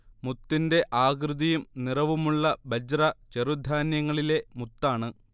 മുത്തിന്റെ ആകൃതിയും നിറവുമുള്ള ബജ്റ ചെറുധാന്യങ്ങളിലെ മുത്താണ്